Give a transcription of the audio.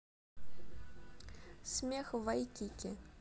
смех в вайкики